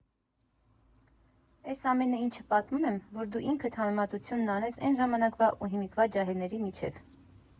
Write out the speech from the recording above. Էս ամեն ինչը պատմում եմ, որ դու ինքդ համեմատությունն անես էն ժամանակվա ու հիմիկվա ջահելների միջև։